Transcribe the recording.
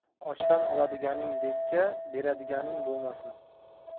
ochdan oladiganing bekka beradiganing bo'lmasin